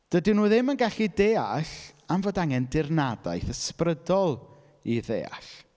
Dydyn nhw ddim yn gallu deall am fod angen dirnadaeth ysbrydol i ddeall.